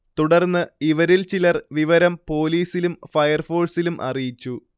തുടർന്ന് ഇവരിൽ ചിലർ വിവരം പോലീസിലും ഫയർഫോഴ്സിലും അറിയിച്ചു